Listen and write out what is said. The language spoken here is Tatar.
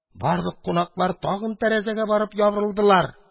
Барлык кунаклар тагын тәрәзәгә барып ябырылдылар.